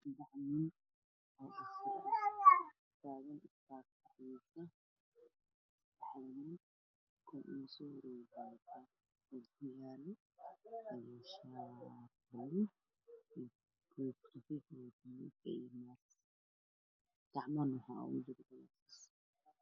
Meeshaa waxaa iga muuqda niman dhakhtar ah oo wata dhar biloowgaan gacmahana waxaa ugu jiro gloofsiyo waxayna qalayan qof